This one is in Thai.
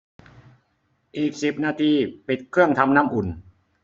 อีกสิบนาทีปิดเครื่องทำน้ำอุ่น